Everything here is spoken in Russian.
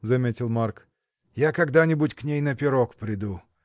— заметил Марк, — я когда-нибудь к ней на пирог приду!